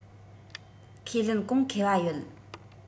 ཁས ལེན གོང ཁེ བ ཡོད